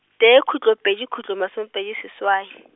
tee khutlo pedi khutlo masomepedi seswai.